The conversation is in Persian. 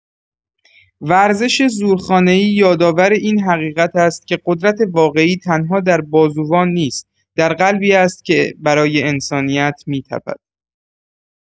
ورزش زورخانه‌ای یادآور این حقیقت است که قدرت واقعی تنها در بازوان نیست، در قلبی است که برای انسانیت می‌تپد.